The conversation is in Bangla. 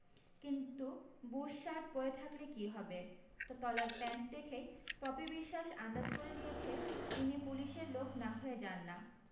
কিন্তু বুশশারট পরে থাকলে কী হবে তলার প্যান্ট দেখেই পপি বিশ্বাস আন্দাজ করে নিয়েছে ইনি পুলিশের লোক না হয়ে যান না